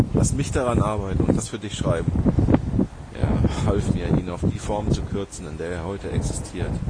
Lass mich daran arbeiten und das für dich schreiben. ‘Er half mir ihn auf die Form zu kürzen in der er heute existiert